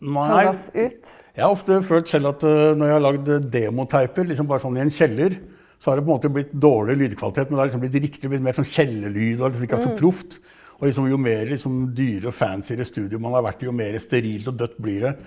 nei jeg har ofte følt selv at når jeg har lagd demoteiper liksom bare sånn i en kjeller, så har det på en måte blitt dårlig lydkvalitet, men det har liksom blitt riktig, blitt mer sånn kjellerlyd og har liksom ikke vært så proft og liksom jo mer liksom dyre og fancy studio man har vært i, jo mere sterilt og dødt blir det.